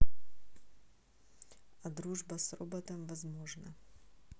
а дружба с роботом возможна